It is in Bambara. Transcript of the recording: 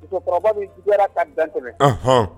Kɔrɔba bɛ juguyayara ka dan kɔnɔ